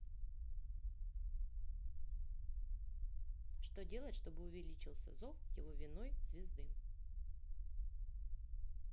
что делать чтобы увеличился зов его виной звезды